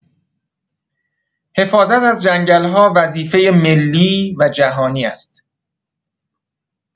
حفاظت از جنگل‌ها وظیفه‌ای ملی و جهانی است.